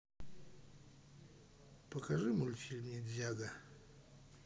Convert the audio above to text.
покажи мультфильм ниндзяго